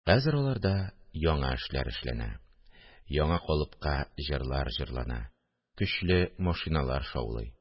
Хәзер аларда яңа эшләр эшләнә, яңа калыпка җырлар җырлана, көчле машиналар шаулый